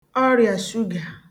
ọrịàshugà